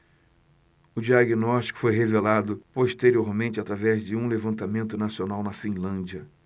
o diagnóstico foi revelado posteriormente através de um levantamento nacional na finlândia